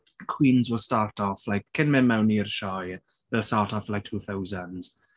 Queens will start off like cyn mynd mewn i'r sioe, they'll start off for like two thousands.